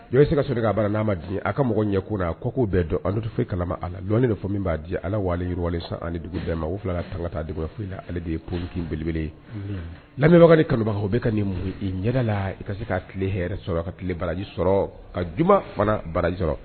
Yɔrɔ se ka so k' bara n'a ma di a ka mɔgɔ ɲɛ ko la a kɔko bɛɛ dɔn antufee kala a la dɔnɔni de fɔ min b'a jɛ ala wale yiriwa san dugu bɛɛ ma o fila ka tan ka taa dɔgɔfila ale de ye ko belebele ye lamɛnbagawkari kalibaw bɛka ka nin mu i ɲɛla i ka se ka tile hɛrɛɛrɛ sɔrɔ ka tile baraji sɔrɔ ka juma fana baraji sɔrɔ